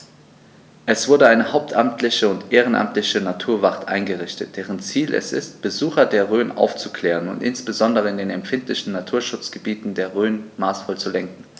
Es wurde eine hauptamtliche und ehrenamtliche Naturwacht eingerichtet, deren Ziel es ist, Besucher der Rhön aufzuklären und insbesondere in den empfindlichen Naturschutzgebieten der Rhön maßvoll zu lenken.